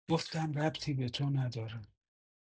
گفتم ربطی به تو نداره